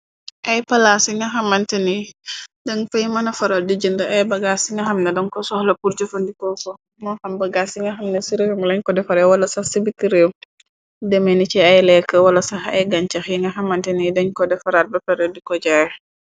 Ay palaas yi nga xamante ni dan fay mëna fara. Di jënd ay bagaas yi nga xamna dam ko soxla pur jëfandikoo ko. Moo xam bagaas yi nga xamna ci reemu lañ ko defare wala sax si bit réew. Deme ni ci ay lekk wala sax ay gancax yi nga xamante ni y dañ ko defaraat bapere diko jaay.